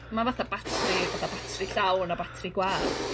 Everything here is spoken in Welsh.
Ma' fatha batri fatha batri llawn a batri gwag.